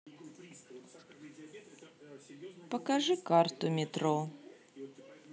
покажи карту метро